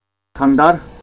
གང ལྟར